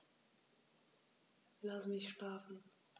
Lass mich schlafen